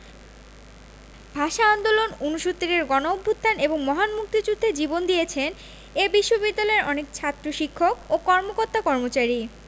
ভাষা আন্দোলন উনসত্তুরের গণঅভ্যুত্থান এবং মহান মুক্তিযুদ্ধে জীবন দিয়েছেন এ বিশ্ববিদ্যালয়ের অনেক ছাত্র শিক্ষক ও কর্মকর্তা কর্মচারী